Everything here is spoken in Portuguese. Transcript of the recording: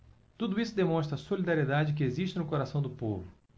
tudo isso demonstra a solidariedade que existe no coração do povo